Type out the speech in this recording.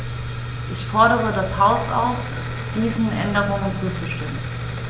Ich fordere das Haus auf, diesen Änderungen zuzustimmen.